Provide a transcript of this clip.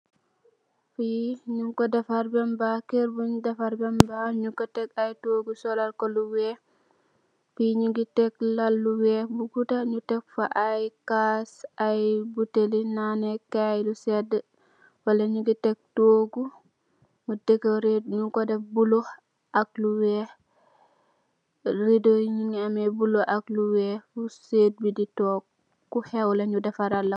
Fi nung ko defar bem bah, kër bun dèfar bem bah nung ko tekk ay toogu sol lal ko lu weeh. Fi nungi tekk lal lu weeh bu gudda nu tekk fa ay caas, ay buteel li nanèkaay lu sèdd. Falè nungi tekk toogu mu decorate nung ko deff bulo ak lu weeh. Riddo yi nungi ameh bulo ak lu weeh purr sètt bu di toog. Ku hèw lè nu defar la ko.